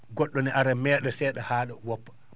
go??o ne ara mee?a see?a haa?a woppa